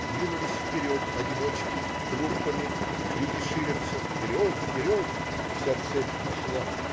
Двинулись вперед одиночки, группами. Крики ширятся, "Вперед! Вперед!. " Вся цепь пошла.